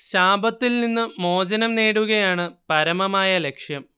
ശാപത്തിൽ നിന്നു മോചനം നേടുകയാണു പരമമായ ലക്ഷ്യം